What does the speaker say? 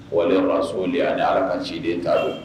Walirasuli ani Ala ka ciden taa don